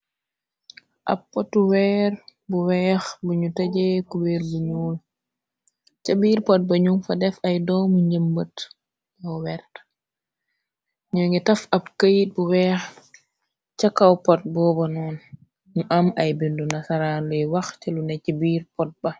Ab potu weer bu weex bu nu tëjee kubeer bu nuul ca biir pot ba nul fa def ay doomu njëm bët a werte ño ngi taf ab këyit bu weex ca kaw pot booba noon nu am ay bindu na saraan luy wax cëlu ne ci biir pot ba.